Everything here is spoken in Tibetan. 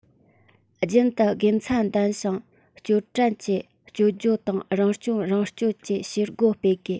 རྒྱུན དུ དགེ མཚན ལྡན ཞིང སྐྱོན བྲལ གྱི སྐྱོན བརྗོད དང རང སྐྱོན རང བརྗོད ཀྱི བྱེད སྒོ སྤེལ དགོས